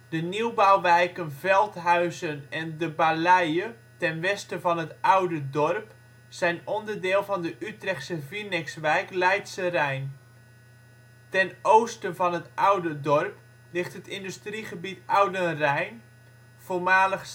De nieuwbouwwijken Veldhuizen en De Balije ten westen van het oude dorp, zijn onderdeel van de Utrechtse Vinex-wijk Leidsche Rijn. Ten oosten van het oude dorp ligt het industriegebied Oudenrijn (voormalig